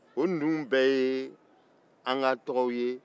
u dun bɛɛ y'an ka tɔgɔw ye